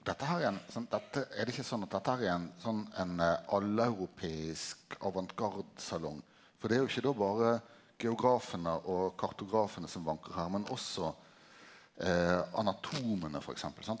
dette her er ein sant dette er det ikkje sånn at dette her er ein sånn ein alleuropeisk avantgardesalong, for det er jo ikkje då berre geografane og kartografane som vankar her men også anatomane f.eks. sant.